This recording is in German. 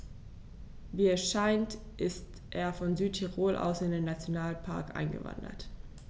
Wie es scheint, ist er von Südtirol aus in den Nationalpark eingewandert.